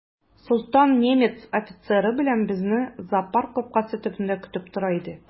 Солтан немец офицеры белән безне зоопарк капкасы төбендә көтеп тора иде.